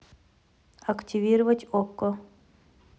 активировать окко